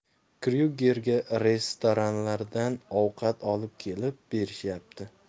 kryugerga restoranlardan ovqat olib kelib berishyapti